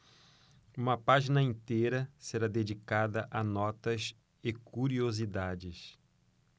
uma página inteira será dedicada a notas e curiosidades